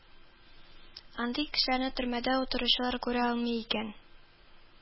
Андый кешеләрне төрмәдә утыручылар күрә алмый икән